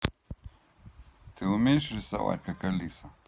ты умеешь рисовать как алиса